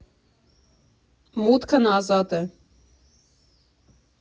Մուտքն ազատ է։